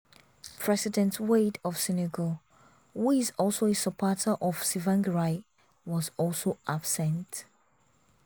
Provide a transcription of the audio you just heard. President Wade of Senegal, who is also a supporter of Tsvangirai, was also absent.